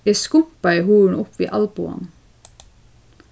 eg skumpaði hurðina upp við alboganum